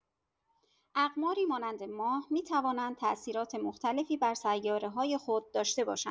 اقماری مانند ماه می‌توانند تاثیرات مختلفی بر سیاره‌های خود داشته باشند.